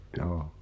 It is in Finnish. joo